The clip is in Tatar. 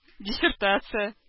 Диссертация